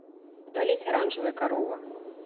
удалить оранжевая корова